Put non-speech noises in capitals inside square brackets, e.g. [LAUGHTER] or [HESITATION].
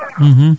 [HESITATION] [HESITATION]